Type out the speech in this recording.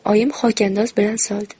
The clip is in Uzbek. oyim xokandoz bilan soldi